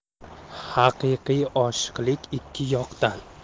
haqiqiy oshiqlik ikki yoqdan